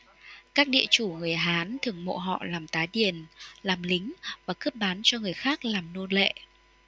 các địa chủ người hán thường mộ họ làm tá điền làm lính và cướp bán cho người khác làm nô lệ